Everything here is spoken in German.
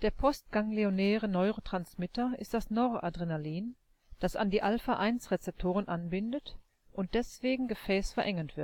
postganglionäre Neurotransmitter ist das Noradrenalin, das an die α1-Rezeptoren anbindet, und deswegen gefäßverengend